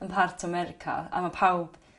yn part America. A ma' pawb